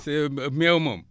c' est meew moom